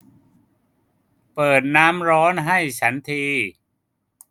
เปิดน้ำร้อนให้ฉันที